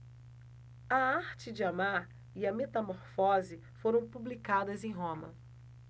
a arte de amar e a metamorfose foram publicadas em roma